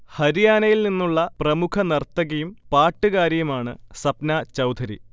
ഹരിയാനയിൽ നിന്നുള്ള പ്രമുഖ നർത്തകിയും പാട്ടുകാരിയുമാണ് സപ്ന ചൗധരി